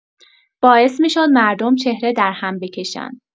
باعث می‌شد مردم چهره درهم بکشند